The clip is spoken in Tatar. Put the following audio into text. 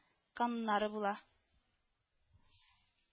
Кануннары була